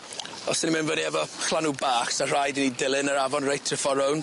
Os o'n i'n mynd fyny efo chlanw bach sa rhaid i ni dilyn yr afon reit trw'r ffor rownd.